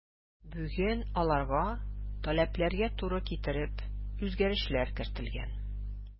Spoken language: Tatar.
Бүген аларга таләпләргә туры китереп үзгәрешләр кертелгән.